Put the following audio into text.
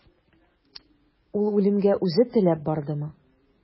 Ул үлемгә үзе теләп бардымы?